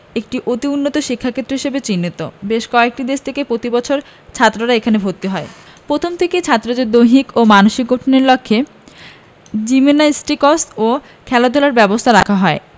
একটি অতি উন্নত শিক্ষাক্ষেত্র হিসেবে চিহ্নিত বেশ কয়েকটি দেশ থেকে প্রতি বছর ছাত্ররা এখানে ভর্তি হয় প্রথম থেকেই ছাত্রদের দৈহিক ও মানসিক গঠনের লক্ষ্যে জিমনাস্টিকস ও খেলাধুলার ব্যবস্থা রাখা হয়